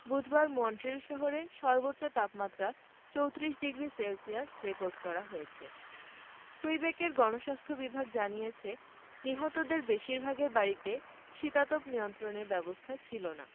বুধবার মন্ট্রিল শহরে সর্বোচ্চ তাপমাত্রা ৩৪ ডিগ্রি সেলসিয়াস রেকর্ড করা হয়েছে কুইবেকের গণস্বাস্থ্য বিভাগ জানিয়েছে নিহতদের বেশিরভাগের বাড়িতে শীতাতপ নিয়ন্ত্রণের ব্যবস্থা ছিল না